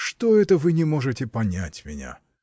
Что это вы не можете понять меня!